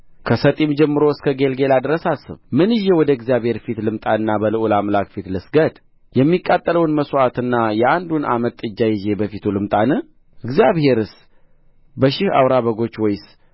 ከሰጢም ጀምሮ እስከ ጌልገላ ድረስ አስብ ምን ይዤ ወደ እግዚአብሔር ፊት ልምጣና በልዑል አምላክ ፊት ልስገድ የሚቃጠለውን መሥዋዕትና የአንዱን ዓመት ጥጃ ይዤ በፊቱ ልምጣን እግዚአብሔርስ በሺህ አውራ በጎች ወይስ